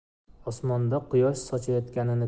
osmonda kuyosh sochayotganini